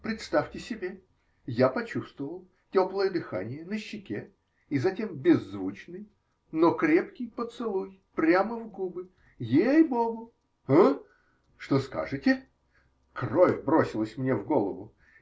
Представьте себе, я почувствовал теплое дыхание на щеке и затем беззвучный, но крепкий поцелуй, прямо в губы -- ей-богу! А? Что скажете? Кровь бросилась мне в голову.